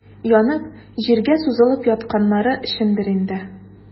Янып, җиргә сузылып ятканнары өчендер инде.